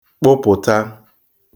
kpụpụ̀ta